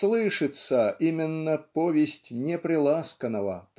слышится именно повесть неприласканного